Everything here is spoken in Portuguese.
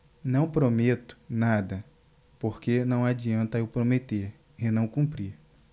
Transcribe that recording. não prometo nada porque não adianta eu prometer e não cumprir